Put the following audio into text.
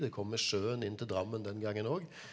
det kom med sjøen inn til Drammen den gangen óg.